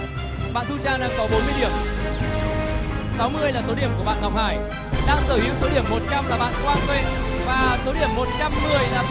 bạn thu trang đang có bốn mươi điểm sáu mươi là số điểm của bạn ngọc hải đang sở hữu số điểm một trăm là bạn quang tuệ và số điểm một trăm mười là